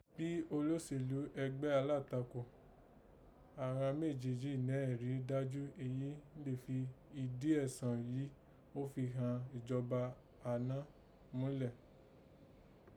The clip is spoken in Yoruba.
Bí olósèlú ẹgbẹ́ alátakò, agha méjèèjì nẹ̀ẹ́ ẹri dájú èyí lè fi ìdí ẹ̀sọ̀n yìí ó fi kàn ijoba àná múlẹ̀